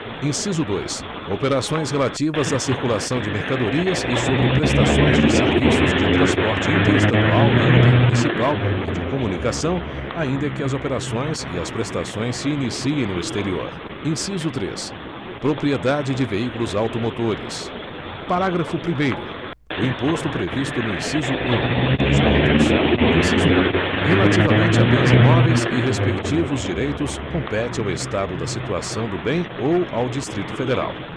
inciso dois operações relativas à circulação de mercadorias e sobre prestações de serviços de transporte interestadual e intermunicipal e de comunicação ainda que as operações e as prestações se iniciem no exterior inciso três propriedade de veículos automotores parágrafo primeiro o imposto previsto no inciso um dois pontos inciso um relativamente a bens imóveis e respectivos direitos compete ao estado da situação do bem ou ao distrito federal